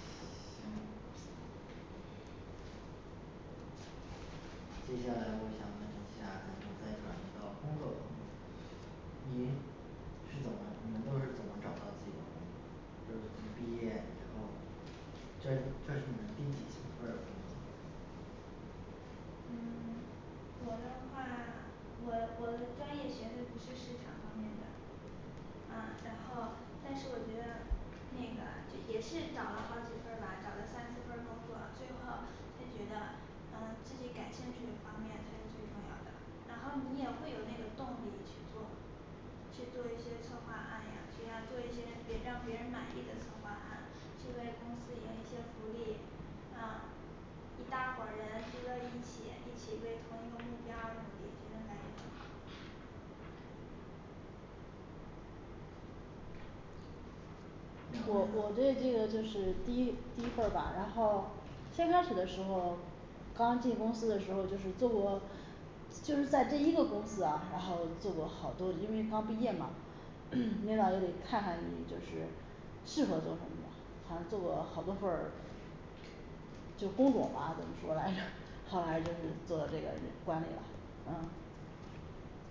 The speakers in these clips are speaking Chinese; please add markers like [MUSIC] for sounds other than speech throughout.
嗯接下来我想问一下，咱们再转移到工作，您是怎么你们都是怎么找到自己的工作的，都是从毕业以后这这是你们第几份儿工作嗯我的话我的我的专业学的不是市场方面的，啊然后但是我觉得那个也是找到好几份儿吧，找了三四份儿工作，最后就觉得啊自己感兴趣的方面才是最重要的然后你也会有那个动力去做去做一些策划案呀，只要做一些别的让别人满意的策划案，去为公司赢一些福利那一大伙人聚在一起，一起为同一个目标而努力，这种感觉我我对这个就是第一第一份儿吧然后先开始的时候刚进公司的时候就是做过就是在这一个公司啊，然后做过好多因为刚毕业吗 [HESITATION] 领导得看看你就是适合做什么，好像做过好多份就工种吧怎么说来着 [NOISE] 后来就是做的这个这管理了嗯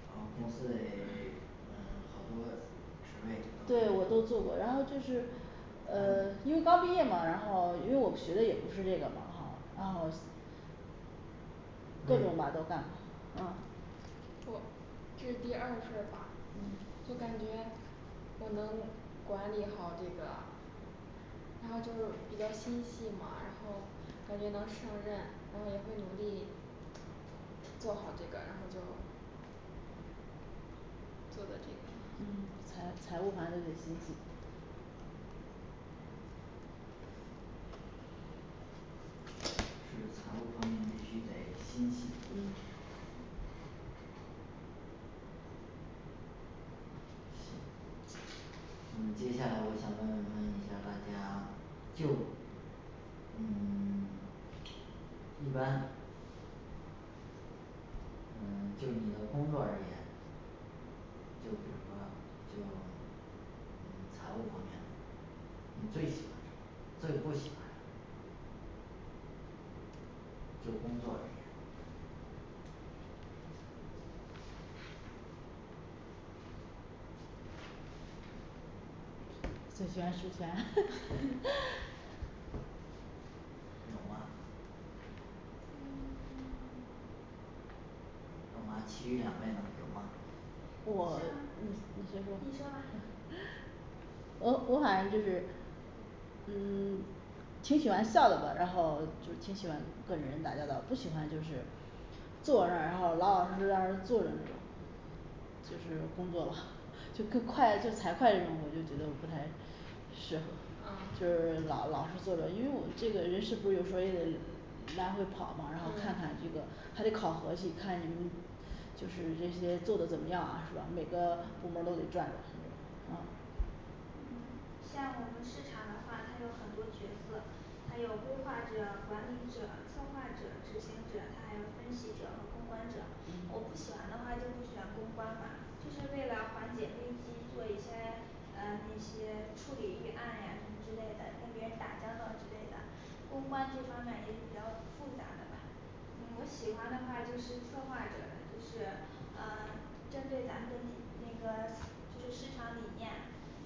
然后公司嘞 [SILENCE] 嗯好多职位对我都做过，然后就是呃因为刚毕业嘛，然后因为我学的也不是这个嘛，然后各种吧都干嗯错，这是第二份儿吧就感觉我能管理好这个然后就是比较心细嘛然后感觉能胜任然后也会努力做好这个，然后就是做的这嗯个财财务反正得心细是财务方面必须得心细嗯嗯接下来我想问问一下大家就嗯 [SILENCE] 一般嗯，就你的工作而言就比方就嗯财务方面，你最喜欢什么？最不喜欢什么就工作这片儿最喜欢数钱 [NOISE] 有吗嗯 [SILENCE] 那么其余两位呢有吗有啊我，嗯你你先说说吧 [NOISE] 我我反正就是嗯挺喜欢笑的吧，然后挺喜欢跟人打交道的，不喜欢就是坐那儿，然后老老实实在那儿坐着那种就是工作，就跟快就是财会我就觉得不太适合就嗯是老老是坐着，因为我们这个人事部儿有时候也得来回跑吗然后看看这个还得考核去看你们就是这些做的怎么样啊每个部门儿都得转转啊像我们市场的话它有很多角色，还有规划者、管理者、策划者、执行者，他还有分析者和公关者，我不喜欢的话就不喜欢公关嘛，就是为了缓解危机做一些嗯那些处理预案呀什么之类的，跟别人打交道之类的公关这方面儿也比较复杂的吧这就是市场理念，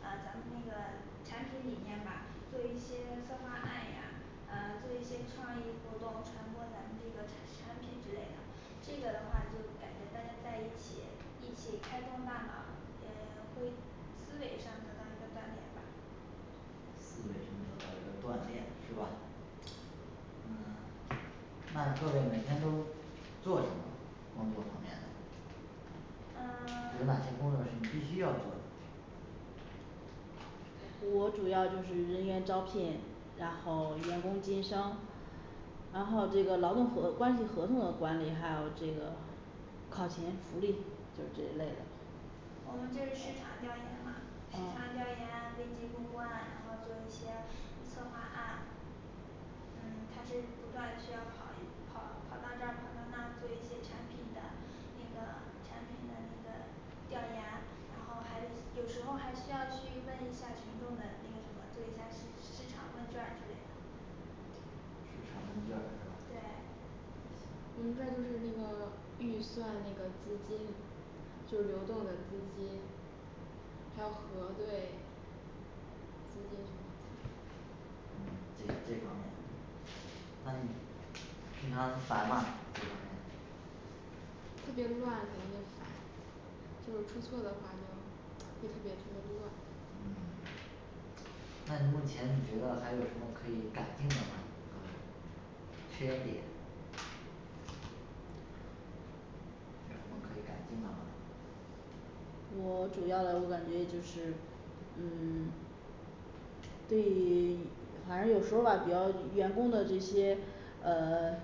呃咱们那个产品理念吧做一些策划案呀啊做一些创意活动，传播咱们这个产品之类的思维上得到一个锻炼是吧？嗯那各位每天都做什么？工作方面的有哪些嗯工作是你必须要做的我主要就是人员招聘，然后员工晋升然后这个劳动合关系合同的管理，还有这个考勤福利就是这一类的我们就是市场调研嘛市场调嗯研背景公关，然后做一些策划案嗯他是不断需要跑一跑跑到这儿跑到那儿做一些产品的那个产品的那个 d调研然后还有时候还需要去问一下群众的那个什么做一下市场问卷儿之类的。市场问卷儿是吧对我们这儿就是那个预算那个资金就流动的资金还要核对资金这这方面的，那你平常烦吗这方面特别乱感觉。就是出错的话就特别特别特别乱嗯那你目前你觉得还有什么可以改进的吗呃缺点有什么可以改进的吗我主要的我感觉就是嗯 [SILENCE] 对于反正有时候儿吧比较员工的这些呃 [SILENCE]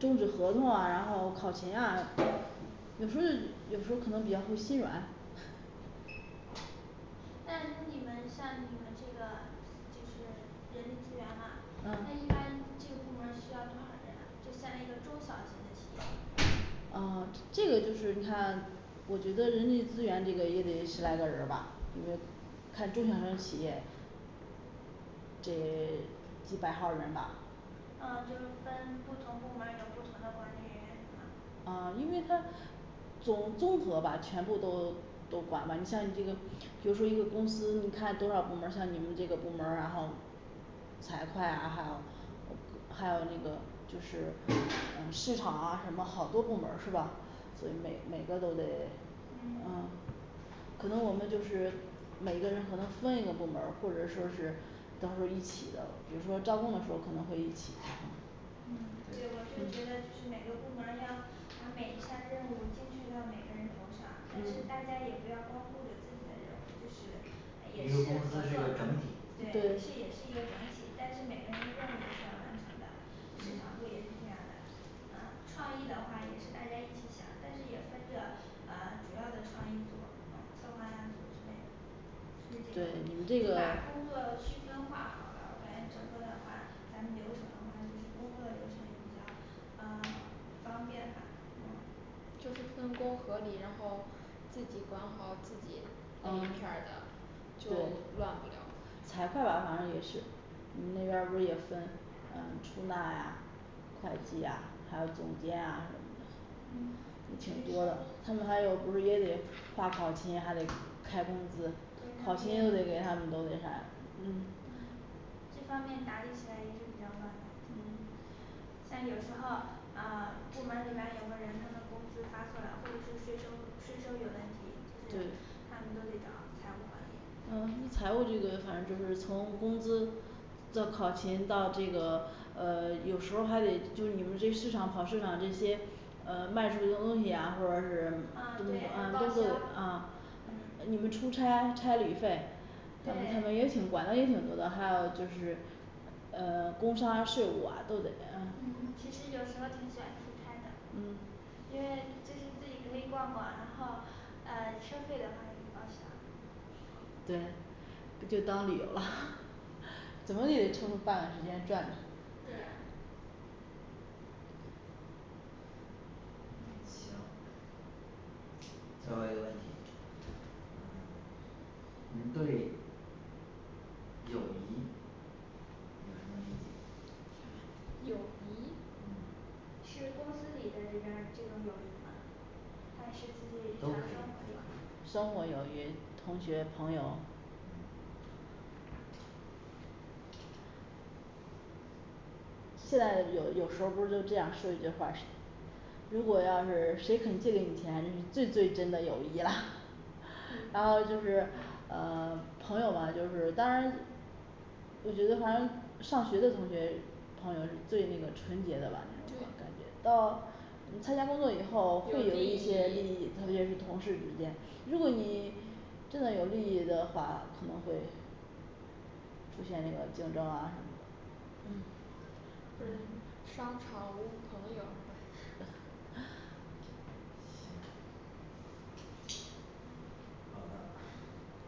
终止合同啊，然后考勤啊有时候就有时候可能比较会心软那就你们像你们这个就是人力资源哈那一嗯般这个部门儿需要多少人啊就像一个中小型的企业嗯，这个就是你看我觉得人力资源这个也得十来个人儿吧，因为看中小型企业这 [SILENCE] 几百号儿人吧啊就分不同部门儿有不同的管理人员呃因为他综综合吧全部都都管吧，你像你这个比如说一个公司，你看多少部门儿，像你们这个部门儿，然后财会啊还有还有那个就是市场啊什么好多部门儿是吧所以每每个都得嗯嗯可能我们就是每个人可能分一个部门儿，或者说是到时候儿一起的，比如说招工的时候儿可能会一起。嗯对，对我就觉嗯得每个部门要把每一天任务坚持到每个人头上，但是大家也不要光顾着自己的人就是一个公司是一个整体对是对一个整体但是每个人的任务是要完成的市场部也是这样的，嗯创意的话也是大家一起想，但是也分着啊主要的创意组儿策划样子之类对的，，你们这是个把工作区分化好了，反正整个的话咱们流程化就是工作流程比较呃方便吧嗯就是分工合理，然后自己管好自己那一片儿嗯的就乱不了财会吧反正也是那边不是也分嗯出纳呀会计呀还有总监啊什么的嗯挺多的，他们还有不是也得划考勤，还得开工资，考勤又得给他们都得啥这方面打理起来也是比较乱的嗯。像有时候啊部门儿里边儿有个人，他们工资发错了，或者是税收税收有问题，就是他们都得找财务管理呃财务这个反正就是从工资的考勤到这个呃有时候儿还得就你们市场跑市场这些呃卖出去的东西啊或者是嗯按对报住宿销你们出差差旅费，可能他们对也挺管的也挺多的，还有就是呃工商、税务啊都得呃嗯因为就是自己可以逛逛然后呃收费的话也可以报销对。就当旅游啦。 [NOISE] 怎么也得抽住半个时间转转对最后一个问题您对友谊有什么理解友谊嗯是公司里的这边儿这种友谊吗还是自己都可以生活生活友谊同学朋友现在有有时候儿不是都这样说一句话儿如果要是谁肯借给你钱，最最真的友谊啦 [NOISE] [CROSSTALK] 然后就是呃朋友啊就是当然就觉得好像上学的同学朋友是最那个纯洁的吧那种感对觉到你参加工作以后会有一些利益，特别是同事之间，如果你真的有利益的话，可能会出现那个竞争啊什么的嗯嗯不是您商场无朋友好的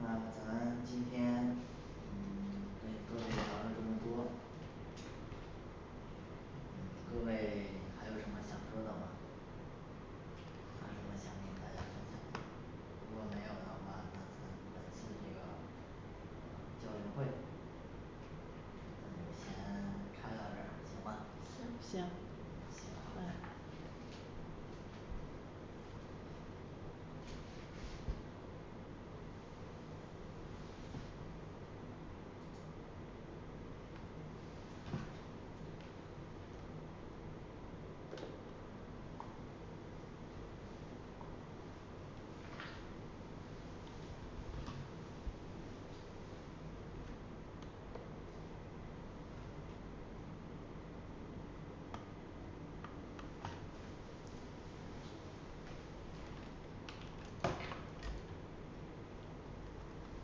那咱今天嗯跟各位聊了这么多嗯各位还有什么想说的吗还有什么想跟大家分享的？如果没有的话咱们就那个嗯交流会嗯先 [SILENCE] 开到这行吗行行好嘞